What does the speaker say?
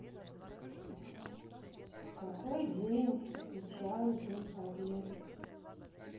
в какой день отмечают день победы